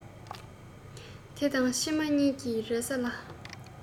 འདི དང ཕྱི མ གཉིས ཀྱི རེ ས ལ